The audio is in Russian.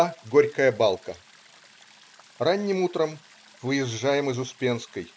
Горькая Балка Ранним утром выезжаем из Успенской.